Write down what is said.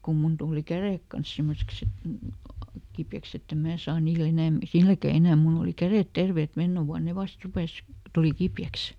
kun minun tuli kädet kanssa semmoiseksi että kipeäksi että en minä saa niillä - silläkään enää minulla oli kädet terveet menneenä vuonna ne vasta rupesi tuli kipeäksi